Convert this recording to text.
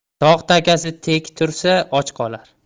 tog' takasi tek tursa och qolar